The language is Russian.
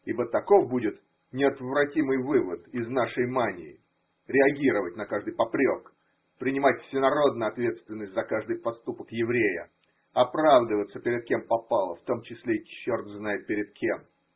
Ибо таков будет неотвратимый вывод из нашей мании – реагировать на каждый попрек, принимать всенародно ответственность за каждый проступок еврея, оправдываться перед кем попало – в том числе и черт знает перед кем.